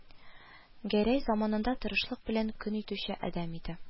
Гәрәй заманында тырышлык белән көн итүче адәм иде